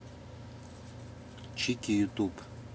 чики ютуб